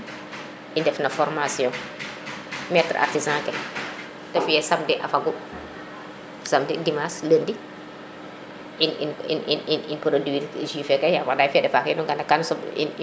i ndefa na foramtion maitre artisan ke te fiye samedi a fagu samedi dimanche lundi i in i produit jus ef yaam anda ye fede fak yenu ngara na gan soɓ